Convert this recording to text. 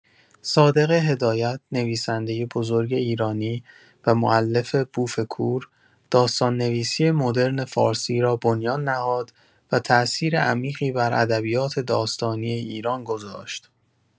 صادق هدایت، نویسنده بزرگ ایرانی و مؤلف بوف کور، داستان‌نویسی مدرن فارسی را بنیان نهاد و تأثیر عمیقی بر ادبیات داستانی ایران گذاشت.